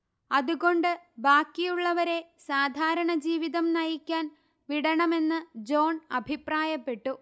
അതുകൊണ്ട് ബാക്കിയുള്ളവരെ സാധാരണജീവിതം നയിക്കാൻ വിടണമെന്ന് ജോൺ അഭിപ്രായപ്പെട്ടു